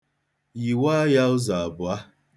Yiwaa ya ụzọ abụọ.